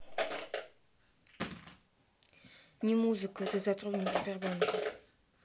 не музыка это сотрудник сбербанка